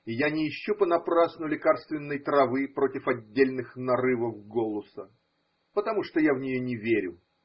И я не ищу понапрасну лекарственной травы против отдельных нарывов голуса, потому что я в нее не верю.